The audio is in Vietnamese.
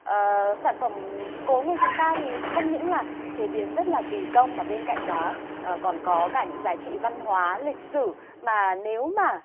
ờ sản phẩm cốm của chúng ta thì không những là chế biến rất là kỳ công mà bên cạnh đó ờ còn có cả những giá trị văn hóa lịch sử mà nếu mà